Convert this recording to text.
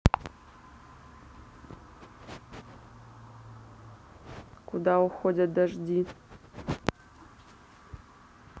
куда уходят дожди